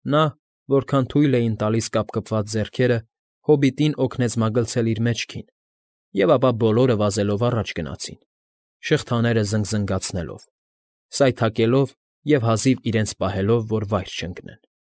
Նա, որքան թույլ էին տալիս կապկպված ձեռքերը, հոբիտին օգնեց մագլցել իր մեջքին, և ապա բոլորը վազելով առաջ գնացին, շղթաները զնգզնգացնելով, սայթաքելով և հազիվ իրենց պահելով, որ վայր չընկնեն։